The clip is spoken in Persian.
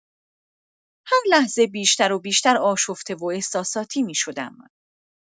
هر لحظه بیشتر و بیشتر آشفته و احساساتی می‌شدم.